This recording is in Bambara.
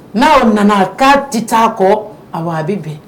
N'aaw nana k'a tɛ' kɔ a a bɛ bɛn